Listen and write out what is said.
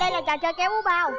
đây là trò chơi kéo búa bao